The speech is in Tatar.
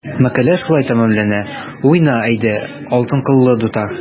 Мәкалә шулай тәмамлана: “Уйна, әйдә, алтын кыллы дутар!"